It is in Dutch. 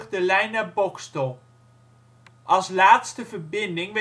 de lijn naar Boxtel. Als laatste verbinding